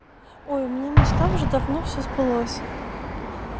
ой у меня мечта уже давно все сбылось